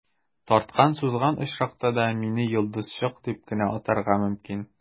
Тарткан-сузган очракта да, мине «йолдызчык» дип кенә атарга мөмкин.